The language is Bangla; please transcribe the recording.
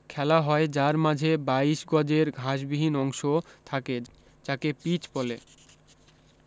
খেলা হয় যার মাঝে বাইশ গজের ঘাসবিহীন অংশ থাকে যাকে পীচ বলে